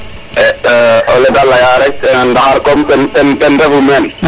e ole de leya rek ndaxar comme ten refu meen